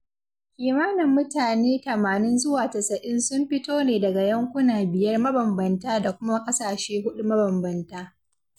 Kimanin mutane 80 zuwa 90 sun fito ne daga yankuna 5 mabambanta da kuma ƙasashe 4 mabambanta.